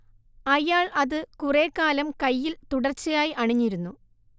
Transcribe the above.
അയാൾ അത് കുറേക്കാലം കൈയ്യിൽ തുടർച്ചയായി അണിഞ്ഞിരുന്നു